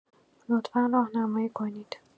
لطفا راهنمایی کنید